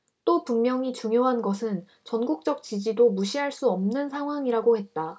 또 분명히 중요한 것은 전국적 지지도 무시할 수 없는 상황이라고 했다